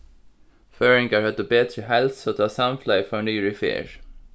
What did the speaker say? føroyingar høvdu betri heilsu tá samfelagið fór niður í ferð